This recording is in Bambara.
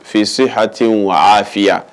Fi se ha wa afi yan